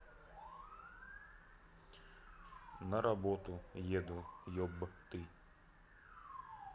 на работу еду еб ты